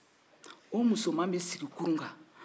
o musoman bi sigi kurun kan